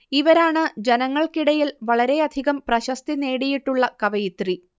ഇവരാണ് ജനങ്ങൾക്കിടയിൽ വളരെയധികം പ്രശസ്തി നേടിയിട്ടുള്ള കവയിത്രി